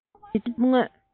རྩོམ ཡིག འབྲི ཐབས དངོས